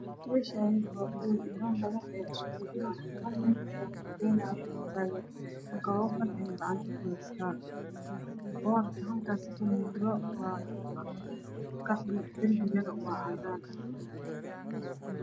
Meeshaan waa hool niman badan ayaa iskugu imaaday hal nin ayaa qudbeynaayo makaroofan ayuu gacanta kuheystaa. Boorka halkaas kamuuqdo waa qaxwi darbiguna Waa cadaan.